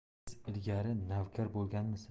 siz ilgari navkar bo'lganmisiz